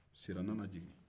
sira nana jigin